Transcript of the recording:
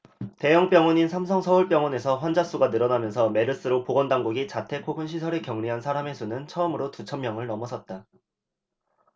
대형 병원인 삼성서울병원에서 환자수가 늘어나면서 메르스로 보건당국이 자택 혹은 시설에 격리한 사람의 수는 처음으로 두 천명을 넘어섰다